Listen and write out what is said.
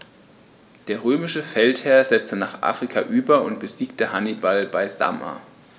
Der römische Feldherr setzte nach Afrika über und besiegte Hannibal bei Zama.